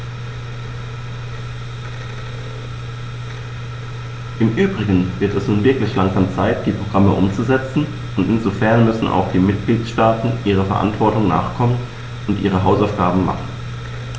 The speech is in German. Im übrigen wird es nun wirklich langsam Zeit, die Programme umzusetzen, und insofern müssen auch die Mitgliedstaaten ihrer Verantwortung nachkommen und ihre Hausaufgaben machen.